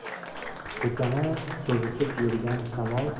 ko'chani tuzitib yurgan shamol